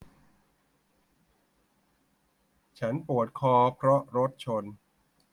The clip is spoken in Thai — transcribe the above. ฉันปวดคอเพราะรถชน